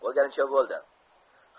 bo'lganicha bo'ldi